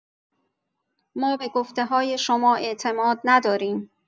ما به گفته‌های شما اعتماد نداریم.